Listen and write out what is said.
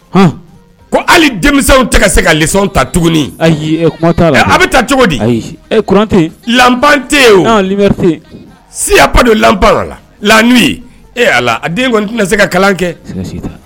Ko hali denmisɛnw tɛ ka se ka le ta tuguni a bɛ taa cogo di siya don la la a a den kɔni tɛna se ka kalan kɛ